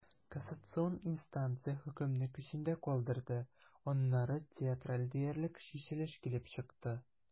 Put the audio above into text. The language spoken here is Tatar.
Кассацион инстанция хөкемне көчендә калдырды, аннары театраль диярлек чишелеш килеп чыкты.